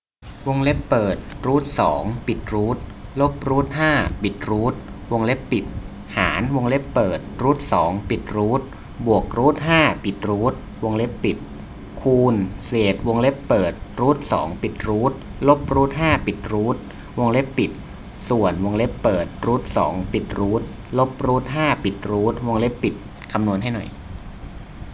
วงเล็บเปิดรูทสองปิดรูทลบรูทห้าปิดรูทวงเล็บปิดหารวงเล็บเปิดรูทสองปิดรูทบวกรูทห้าปิดรูทวงเล็บปิดคูณเศษวงเล็บเปิดรูทสองปิดรูทลบรูทห้าปิดรูทวงเล็บปิดส่วนวงเล็บเปิดรูทสองปิดรูทลบรูทห้าปิดรูทวงเล็บปิดคำนวณให้หน่อย